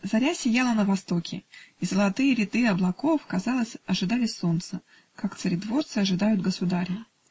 Заря сияла на востоке, и золотые ряды облаков, казалось, ожидали солнца, как царедворцы ожидают государя